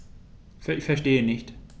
Verstehe nicht.